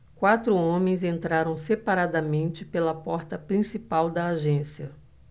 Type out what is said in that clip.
quatro homens entraram separadamente pela porta principal da agência